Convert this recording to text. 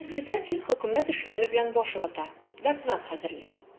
Председатель хөкүмәт эшләре белән баш вата, доклад хәзерли.